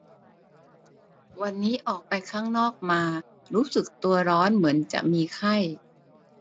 วันนี้ออกไปข้างนอกมารู้สึกตัวร้อนเหมือนจะมีไข้